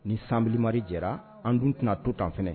N ni Sanbili mari jɛra, an dun tɛna totan fana